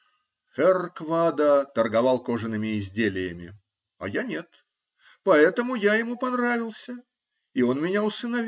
Херр Квада торговал кожаными изделиями, а я нет, поэтому я ему понравился, и он меня усыновил.